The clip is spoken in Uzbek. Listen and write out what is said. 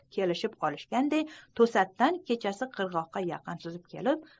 kelishib olishganday to'satdan kechasi qirg'oqqa yaqin suzib kelib